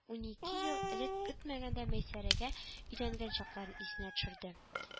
Унике ел элек көтмәгәндә мәйсәрәгә өйләнгән чакларын исенә төшерде